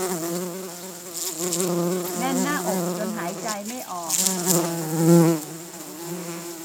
แน่นหน้าอกจนหายใจไม่ออก